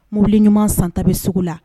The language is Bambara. Mobili ɲuman santa bɛ sugu la